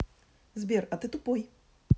сбер а ты тупой